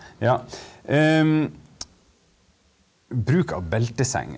ja, bruk av belteseng.